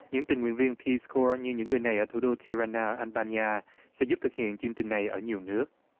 những tình nguyện viên pi sờ gua như những người này ở thủ đô thi ra na ăn ba ni a sẽ giúp thực hiện chương trình này ở nhiều nước